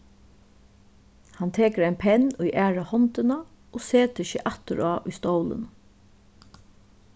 hann tekur ein penn í aðra hondina og setir seg afturá í stólinum